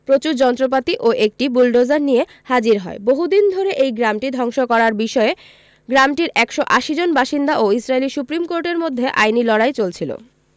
প্রচুর যন্ত্রপাতি ও একটি বুলোডোজার নিয়ে হাজির হয় বহুদিন ধরে এই গ্রামটি ধ্বংস করার বিষয়ে গ্রামটির ১৮০ জন বাসিন্দা ও ইসরাইলি সুপ্রিম কোর্টের মধ্যে আইনি লড়াই চলছিল